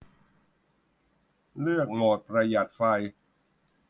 เลือกโหมดประหยัดไฟ